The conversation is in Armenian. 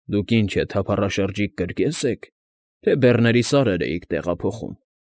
Դուք, ինչ է, թափառաշրջիկ կրկե՞ս եք, թե բեռների սարեր էիք տեղափոխում։